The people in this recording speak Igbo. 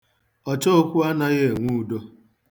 Ọchookwu apụghị inwe udo.